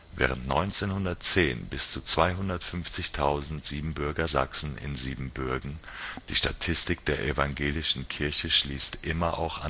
Während 1910 bis zu 250.000 Siebenbürger Sachsen in Siebenbürgen (die Statistik der Evangelischen Kirche A.B. schließt immer auch